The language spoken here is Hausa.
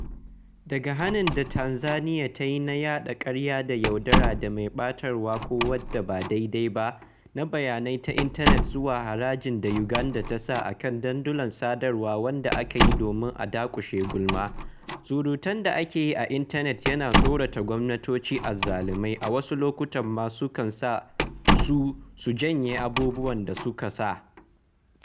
Daga hanin da Tanzaniya ta yi na yaɗa "ƙarya da yaudara da mai ɓatarwa ko wadda ba daidaiba" na bayanai ta intanet zuwa harajin da Uganda ta sa a kan dandulan sadarwa wanda aka yi domin a dakushe "gulma", surutun da ake yi a intanet yana tsorata gwamnatocin azzalumai. A wasu lokutan ma sukan sa su su janye abubuwan da suka so yi.